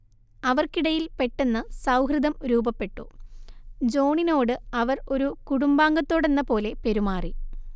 അവർക്കിടയിൽ പെട്ടെന്ന് സൗഹൃദം രൂപപ്പെട്ടു ജോണിനോട് അവർ ഒരു കുടുംബാംഗത്തോടെന്നപോലെ പെരുമാറി